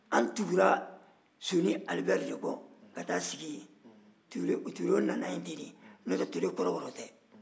an tugura soni ali bɛri kɔ ka taa sigi yen turew nana tan de n'o tɛ ture kɔrɔbɔrɔ tɛ